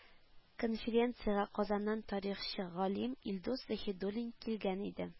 Конференциягә Казаннан тарихчы, галим Илдус Заһидуллин килгән иде